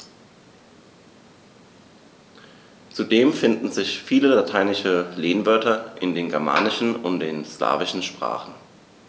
Zudem finden sich viele lateinische Lehnwörter in den germanischen und den slawischen Sprachen.